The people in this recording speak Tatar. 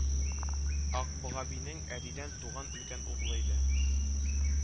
Акбога бинең Әдидән туган өлкән углы иде